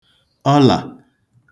ọlà